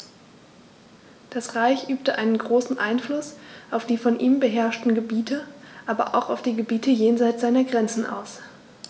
Das Reich übte einen großen Einfluss auf die von ihm beherrschten Gebiete, aber auch auf die Gebiete jenseits seiner Grenzen aus.